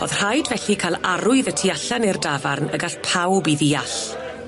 o'dd rhaid felly ca'l arwydd y tu allan i'r dafarn y gall pawb 'i ddeall.